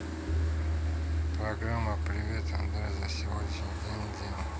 программа привет андрей за сегодняшний день день